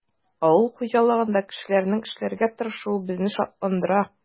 Авыл хуҗалыгында кешеләрнең эшләргә тырышуы безне шатландыра.